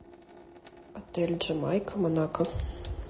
отель джамайка монако